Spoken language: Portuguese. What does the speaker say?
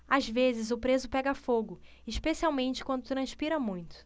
às vezes o preso pega fogo especialmente quando transpira muito